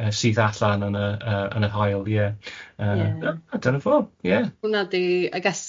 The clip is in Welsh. yy syth allan yn y yy yn y haul... Ie yy ie. ...a dyna fo ie... Hwnna di I guess